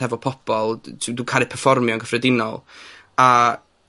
hefo pobol d- dwi'n dw caru perfformio yn gyffredinol, a,